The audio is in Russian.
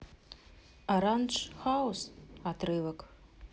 орандж хаус отрывок